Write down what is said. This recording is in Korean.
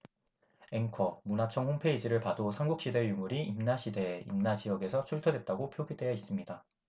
앵커 문화청 홈페이지를 봐도 삼국시대의 유물이 임나시대에 임나지역에서 출토됐다고 표기돼 있습니다